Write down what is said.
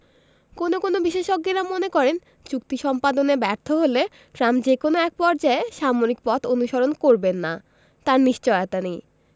কোনো কোনো বিশেষজ্ঞেরা মনে করেন চুক্তি সম্পাদনে ব্যর্থ হলে ট্রাম্প যে কোনো একপর্যায়ে সামরিক পথ অনুসরণ করবেন না তার নিশ্চয়তা নেই